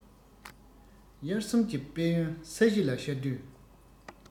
དབྱར གསུམ གྱི དཔལ ཡོན ས གཞི ལ ཤར དུས